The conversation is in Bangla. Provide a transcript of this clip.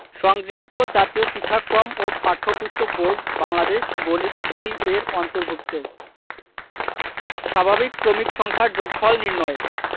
সংগৃহীত জাতীয় শিক্ষাক্রম ও পাঠ্যপুস্তক বোর্ড বাংলাদেশ গণিত বই-এর অন্তর্ভুক্ত স্বাভাবিক ক্রমিক সংখ্যার যোগফল নির্ণয়